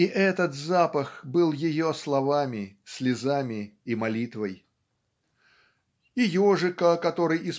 и этот запах был ее словами слезами и молитвой" и ежика который